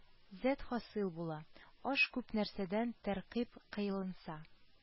Зәт хасыйл була, аш күп нәрсәдән тәркиб кыйлынса